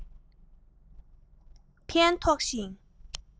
ཕན ཐོགས ཤིང